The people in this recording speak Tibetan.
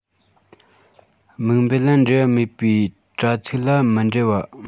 དམིགས འབེན ལ འབྲེལ བ མེད པའི དྲ ཚིགས ལ མི འབྲེལ བ